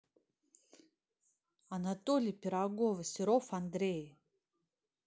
анатолий пирогова серов андрей